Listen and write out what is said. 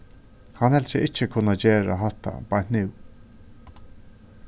hann helt seg ikki kunna gera hatta beint nú